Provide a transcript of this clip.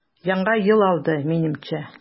Яңа ел алды, минемчә.